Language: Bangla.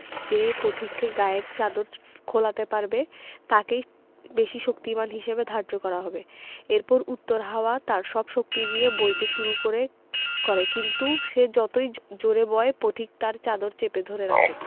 যে পথিকে গায়ের চাদর খোলাতে পারবে তাকেই বেশি শক্তিমান হিসেবে ধার্য করা হবে এরপর উত্তর হাওয়া তার সব শক্তি দিয়ে বইতে শুরু করে কিন্তু সে যতই জোড়ে বয় পথিক তার চাদর চেপে ধরে রাখে